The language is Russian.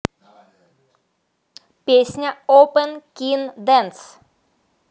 песня опен кин дэнс